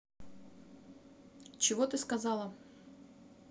чего ты сказала